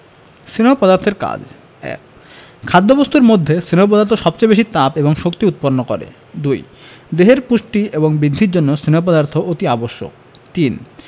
স্নেহ পদার্থের কাজ ১. খাদ্যবস্তুর মধ্যে স্নেহ পদার্থ সবচেয়ে বেশী তাপ এবং শক্তি উৎপন্ন করে ২. দেহের পুষ্টি এবং বৃদ্ধির জন্য স্নেহ পদার্থ অতি আবশ্যক ৩.